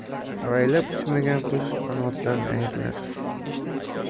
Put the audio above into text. avaylab uchmagan qush qanotidan ayrilar